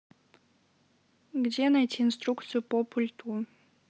где найти инструкцию по пульту